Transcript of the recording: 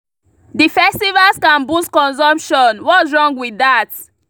The festivals can boost consumption, what’s wrong with that?